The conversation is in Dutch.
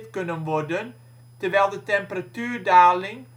kunnen worden terwijl de temperatuurdaling